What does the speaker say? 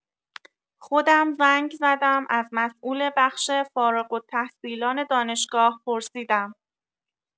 خودم زنگ زدم از مسئول بخش فارغ التحصیلان دانشگاه پرسیدم.